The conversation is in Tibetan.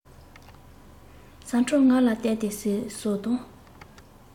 ཟ འཕྲོ ང ལ བསྟན ཏེ ཟོ དང